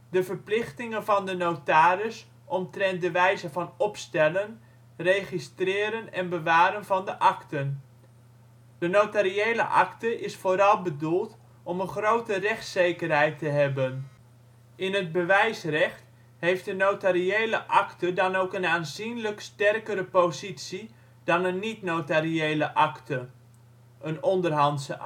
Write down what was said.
de verplichtingen van de notaris omtrent de wijze van opstellen, registreren en bewaren van de akten. De notariële akte is vooral bedoeld om een grote rechtszekerheid te hebben. In het bewijsrecht heeft de notariële akte dan ook een aanzienlijk sterkere positie dan een niet-notariële akte (een onderhandse